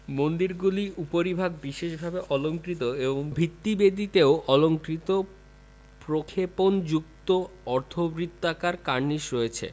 মন্দিরগুলির উপরিভাগ বিশেষভাবে অলংকৃত এবং ভিত্তিবেদিতেও অলঙ্কৃত প্রক্ষেপণযুক্ত অর্ধবৃত্তাকার কার্নিস রয়েছে